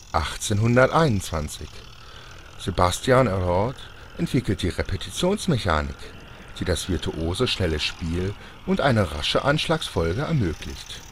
1821 – Sébastien Érard entwickelt die Repetitionsmechanik, die das virtuose schnelle Spiel und eine rasche Anschlagfolge ermöglicht